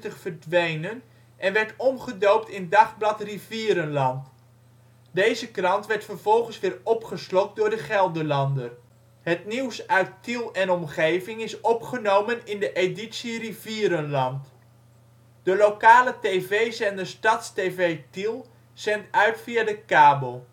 verdwenen en werd omgedoopt in Dagblad Rivierenland. Deze krant werd vervolgens weer opgeslokt door De Gelderlander. Het nieuws uit Tiel en omgeving is opgenomen in de editie Rivierenland. De lokale TV-zender StadsTV Tiel zendt uit via de kabel